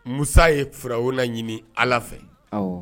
Musa ye furawola ɲini ala fɛ